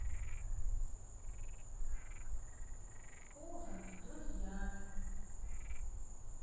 ужин с друзьями